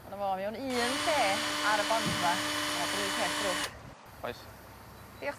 Wel 'na fo mewn un lle ar y bont 'ma ma' 'na dri peth drwc. Oes. Diolch...